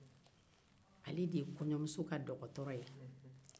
ale de ye kɔɲɔmuso ka dɔgɔtɔrɔ ye